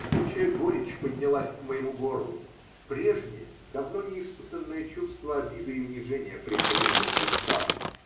Жгучая горечь поднялась к моему горлу, прежнее, давно не испытанное чувство обиды и унижения прихлынуло к вискам.